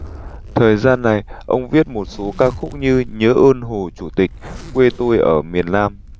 thời gian này ông viết một số ca khúc như nhớ ơn hồ chủ tịch quê tôi ở miền nam